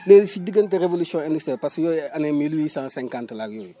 léegi si diggante révolution industrielle parce que yooyu ay années mille huit cent cinqaunte la ak yooy